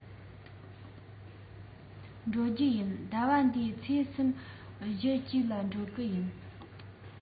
འགྲོ རྒྱུ ཡིན ཟླ བ འདིའི ཚེས གསུམ བཞི ཅིག ལ འགྲོ གི ཡིན